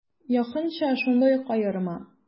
Якынча шундый ук аерма.